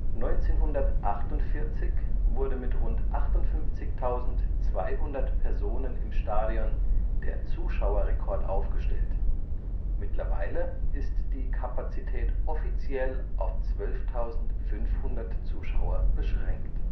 1948 wurde mit rund 58.200 Personen im Stadion der Zuschauerrekord aufgestellt, mittlerweile ist die Kapazität offiziell auf 12.500 Zuschauer beschränkt